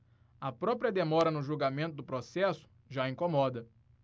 a própria demora no julgamento do processo já incomoda